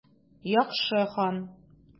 Яхшы, хан.